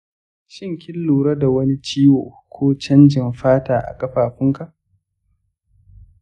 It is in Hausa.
shin kin lura da wani ciwo ko canjin fata a ƙafafunka?